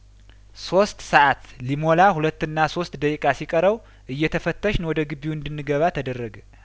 ሶስት ሰአት ሊሞላ ሁለትና ሶስት ደቂቃ ሲቀረው እየተፈተሽን ወደ ግቢው እንድንገባ ተደረገ